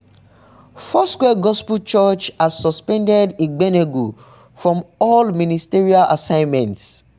Foursquare Gospel Church has suspended Igbeneghu "from all ministerial assignments".